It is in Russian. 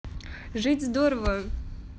жить здорово